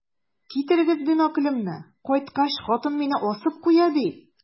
Китерегез биноклемне, кайткач, хатын мине асып куя бит.